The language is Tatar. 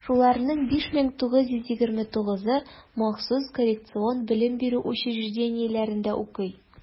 Шуларның 5929-ы махсус коррекцион белем бирү учреждениеләрендә укый.